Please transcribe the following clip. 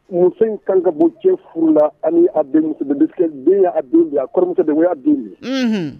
Muso in kan ka bɔ ,cɛ furu la ani denmuso ye parce que den ye a den.A kɔrɔmuso den. O y'a den ye. Unhun.